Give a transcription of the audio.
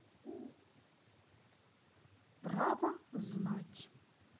право знать